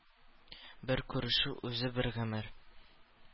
Бер күрешү үзе бер гомер.